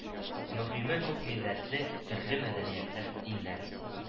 Мөһиме күпмилләтле, төрле мәдәниятләр, диннәр